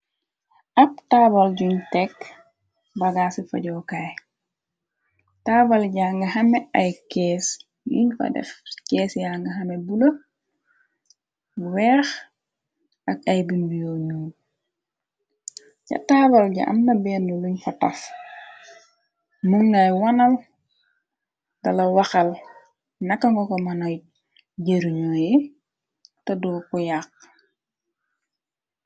Ab taabal juñ tekk bagaasi fajookaay tabal ya nga xame ay kees yuñ fa def cees ya nga xame bu la weex ak ay binbi yo ñuu ca taabal ya amna bernu luñ fataf mul nay wanal dala waxal naka ngo ko mënay jëru ñoo we te doo ku yàq.